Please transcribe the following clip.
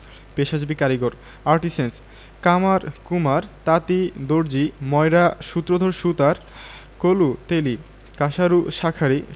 পেশাজীবী কারিগরঃ আর্টিসেন্স কামার কুমার তাঁতি দর্জি ময়রা সূত্রধর সুতার কলু তেলী কাঁসারু শাঁখারি